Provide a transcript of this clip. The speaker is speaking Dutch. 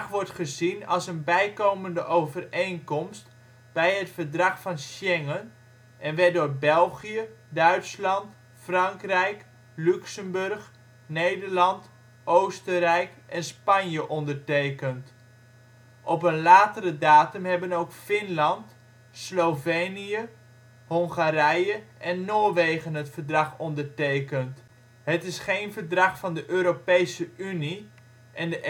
wordt gezien als een bijkomende overeenkomst bij het Verdrag van Schengen en werd door België, Duitsland, Frankrijk, Luxemburg, Nederland, Oostenrijk en Spanje ondertekend. Op een latere datum hebben ook Finland, Slovenië, Hongarije en Noorwegen het verdrag ondertekend. Het is geen verdrag van de Europese Unie en de